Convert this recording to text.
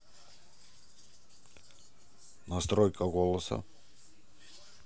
настройка голоса